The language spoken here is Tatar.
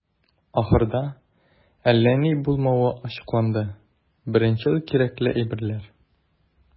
Ахырда, әллә ни булмавы ачыкланды - беренчел кирәкле әйберләр.